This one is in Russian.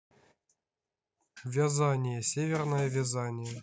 вязание северное вязание